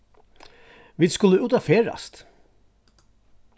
vit skulu út at ferðast